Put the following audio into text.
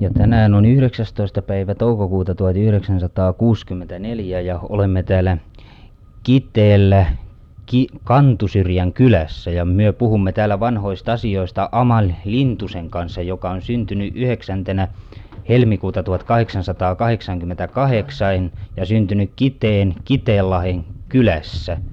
Ja tänään on yhdeksästoista päivä toukokuuta tuhatyhdeksänsataakuuskymmentäneljä ja olemme täälä, Kitteellä, Ki-, Kantosyrjän kylässä ja myö puhumme täälä vanhoist asioista Amal, Lintusen kanssa joka on syntyny yheksäntenä, helmikuuta tuhatkaheksansataakaheksankymmentäkaheksain, ja syntynyk Kitteen, Kiteellahen, kylässä.